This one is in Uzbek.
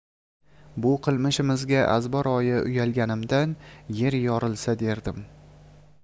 bu qilmishimizga azbaroyi uyalganimdan yer yorilsa derdim